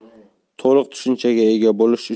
to'liq tushunchaga ega bo'lish